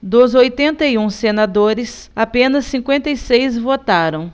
dos oitenta e um senadores apenas cinquenta e seis votaram